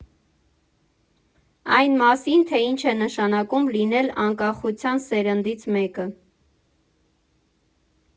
Այն մասին, թե ինչ է նշանակում լինել անկախության սերնդից մեկը։